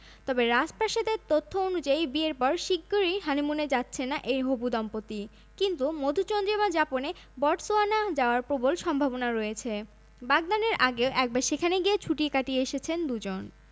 তবে রাজপ্রাসাদের তথ্য অনুযায়ী বিয়ের পর শিগগিরই হানিমুনে যাচ্ছেন না এই হবু দম্পতি কিন্তু মধুচন্দ্রিমা যাপনে বটসওয়ানা যাওয়ার প্রবল সম্ভাবনা রয়েছে বাগদানের আগেও একবার সেখানে গিয়ে ছুটি কাটিয়ে এসেছেন দুজন